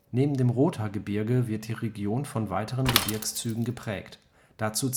Neben dem Rothaargebirge wird die Region von weiteren Gebirgszügen geprägt. Dazu